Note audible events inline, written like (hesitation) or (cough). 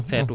(hesitation) (hesitation)